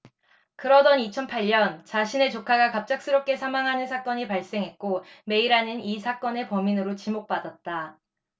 그러던 이천 팔 년 자신의 조카가 갑작스럽게 사망하는 사건이 발생했고 메이라는 이 사건의 범인으로 지목받았다